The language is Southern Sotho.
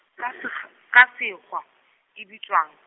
ka sekg-, ka sekgwa e bitswang.